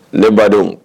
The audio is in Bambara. Ne badenw